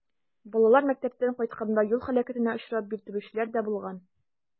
Балалар мәктәптән кайтканда юл һәлакәтенә очрап, биртелүчеләр дә булган.